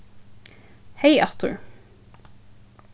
hey aftur